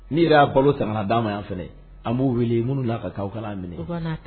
N'i yɛrɛ y'a balo san kana d'an ma yan fɛnɛ an b'u wele minnu n'a ka kan u kana minɛ u kana minɛ